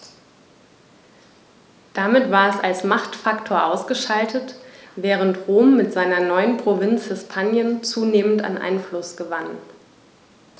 Damit war es als Machtfaktor ausgeschaltet, während Rom mit seiner neuen Provinz Hispanien zunehmend an Einfluss gewann.